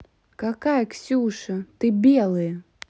какая ксюша ты белые